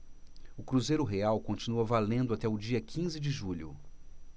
o cruzeiro real continua valendo até o dia quinze de julho